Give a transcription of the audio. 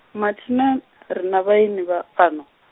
mathina, ri na vhaeni vha, fhano?